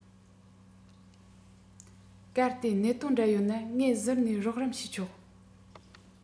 གལ ཏེ གནད དོན འདྲ ཡོད ན ངས ཟུར ནས རོགས རམ བྱས ཆོག